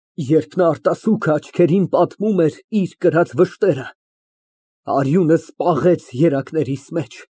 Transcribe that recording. Երբ նա արտասուքը աչքերին պատմում էր իր կրած վշտերը, այրունս պաղեց երակներիս մեջ։